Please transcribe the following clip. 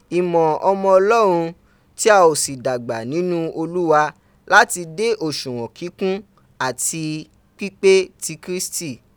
imo omo Olorun ti a o si dagba ninu Oluwa, lati de osuwon kikun ati pipe ti Kirisiti.